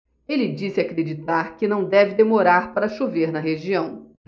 ele disse acreditar que não deve demorar para chover na região